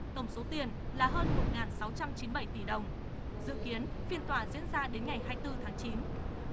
tổng số tiền là hơn một ngàn sáu trăm chín bảy tỷ đồng dự kiến phiên tòa diễn ra đến ngày hai tư tháng chín